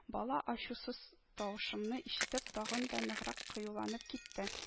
Бала, ачусыз тавышымны ишетеп, тагын да ныграк кыюланып китте